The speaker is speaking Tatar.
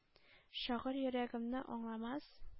Шагыйрь йөрәгеме аңламас?